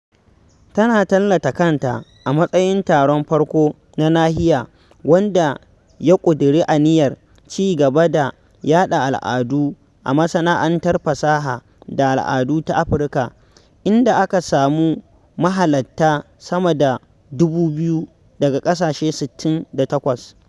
Tana tallata kanta a matsayin ''taron farko na nahiya wanda ya ƙudiri aniyar ci gaba da yaɗa al'adu a masana'antar fasaha da al'adu ta Afirka, inda aka samu mahalatta sama da 2000 daga ƙasashe 68.